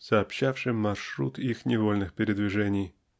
сообщавшим маршрут их невольных передвижений.